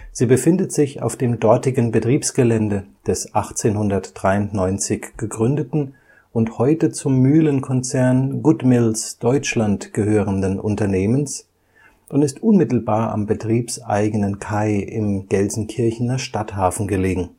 Sie befindet sich auf dem dortigen Betriebsgelände des 1893 gegründeten und heute zum Mühlenkonzern GoodMills Deutschland gehörenden Unternehmens und ist unmittelbar am betriebseigenen Kai im Gelsenkirchener Stadthafen gelegen